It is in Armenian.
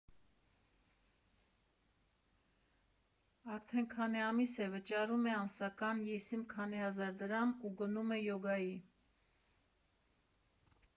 Արդեն քանի ամիս է՝ վճարում է ամսական եսիմ քանի հազար դրամ ու գնում է յոգայի։